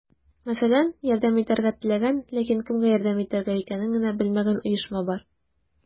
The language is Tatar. Мәсәлән, ярдәм итәргә теләгән, ләкин кемгә ярдәм итергә икәнен генә белмәгән оешма бар.